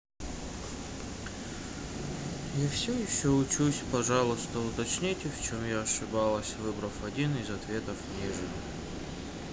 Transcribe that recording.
я все еще учусь пожалуйста уточните в чем я ошиблась выбрав один из ответов ниже